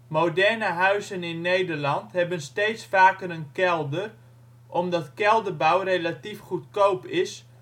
Moderne huizen in Nederland hebben steeds vaker een kelder omdat kelderbouw relatief goedkoop is